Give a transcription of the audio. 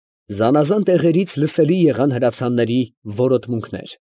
Զանազան տեղերից լսելի եղան հրացանների որոտմունքներ։